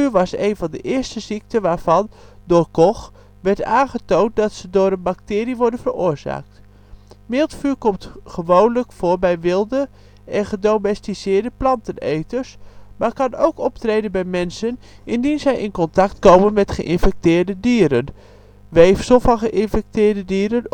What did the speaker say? was een van de eerste ziekten waarvan (door Koch) werd aangetoond dat ze door een bacterie worden veroorzaakt. Miltvuur komt gewoonlijk voor bij wilde en gedomesticeerde planteneters, maar kan ook optreden bij mensen indien zij in contact komen met geïnfecteerde dieren, weefsel van geïnfecteerde dieren